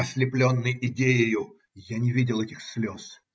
Ослепленный идеею, я не видел этих слез.